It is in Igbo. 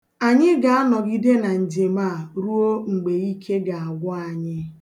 Anyị ga-anọgide na njem a ruo mgbe ike ga-agwụ anyị.